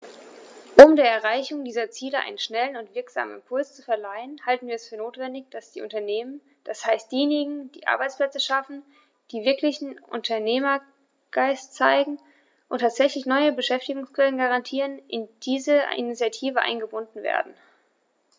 Um der Erreichung dieser Ziele einen schnellen und wirksamen Impuls zu verleihen, halten wir es für notwendig, dass die Unternehmer, das heißt diejenigen, die Arbeitsplätze schaffen, die wirklichen Unternehmergeist zeigen und tatsächlich neue Beschäftigungsquellen garantieren, in diese Initiative eingebunden werden.